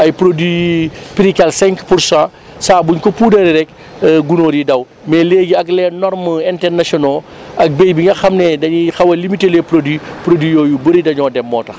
ay produits prix calle 5 pour 100 saa bu ñu ko puudaree rek gunóor yi daw mais léegi ak les normes internationnaux ak béy bi nga xam ne dañuy xaw a limité les produits produits yu bëri dañoo dem moo tax